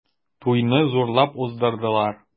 Туйны зурлап уздырдылар.